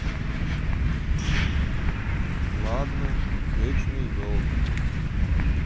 ладно вечный зов